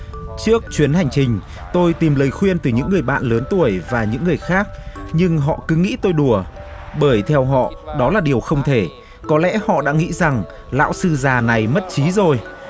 trước chuyến hành trình tôi tìm lời khuyên từ những người bạn lớn tuổi và những người khác nhưng họ cứ nghĩ tôi đùa bởi theo họ đó là điều không thể có lẽ họ đã nghĩ rằng lão sư già này mất trí rồi